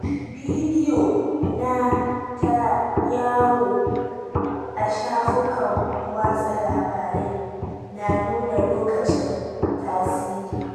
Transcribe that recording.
Bidio na ta yawu a shafukan watsa labarai na nuna lokacin tasiri.